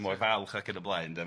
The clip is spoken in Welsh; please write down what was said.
a mor falch ac yn y blaen de.